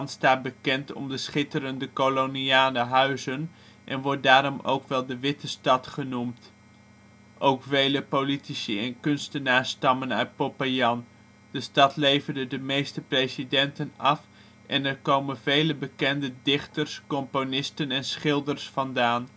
staat bekend om de schitterende koloniale huizen en wordt daarom ook wel de " witte stad " genoemd. Ook vele politici en kunstenaars stammen uit Popayán; de stad leverde de meeste presidenten af en er komen vele bekende dichters, componisten en schilders vandaan